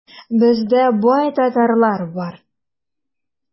Бездә бай татарлар бар.